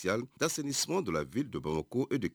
d'assainissement de la ville de Bamako et de k